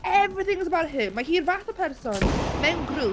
Everything's about her. Mae hi'r fath o person mewn grŵp...